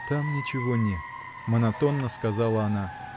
— Там ничего нет, — монотонно сказала она.